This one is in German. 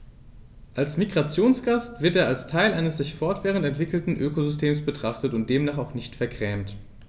Als Migrationsgast wird er als Teil eines sich fortwährend entwickelnden Ökosystems betrachtet und demnach auch nicht vergrämt.